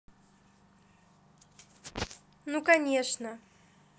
ну конечно